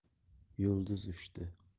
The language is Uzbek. yulduz uchdi